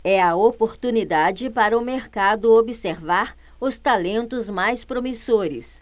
é a oportunidade para o mercado observar os talentos mais promissores